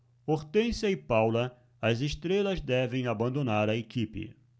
hortência e paula as estrelas devem abandonar a equipe